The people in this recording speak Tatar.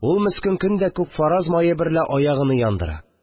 Ул, мескен, көн дә күкфараз мае берлә аягыны яндыра